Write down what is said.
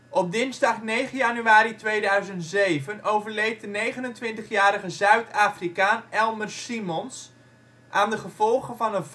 Op dinsdag 9 januari 2007 overleed de 29-jarige Zuid-Afrikaan Elmer Symons aan de gevolgen van